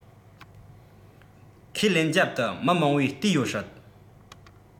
ཁས ལེན རྒྱབ ཏུ མི མང བོས བལྟས ཡོད སྲིད